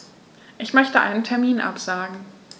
Ich möchte einen Termin absagen.